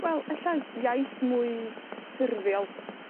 wel, ella iaith mwy ffurfiol.